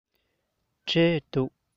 འབྲས འདུག